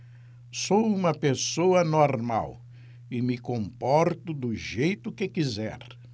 sou homossexual e me comporto do jeito que quiser